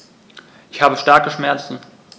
Ich habe starke Schmerzen.